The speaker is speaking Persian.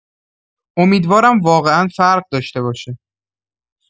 امیدوارم واقعا فرق داشته باشه.